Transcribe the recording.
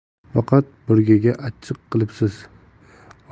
faqat burgaga achchiq qilibsiz